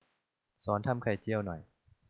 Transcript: สอนทำไข่เจียวหน่อย